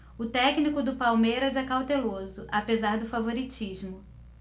o técnico do palmeiras é cauteloso apesar do favoritismo